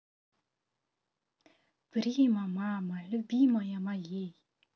прима мама любимая моей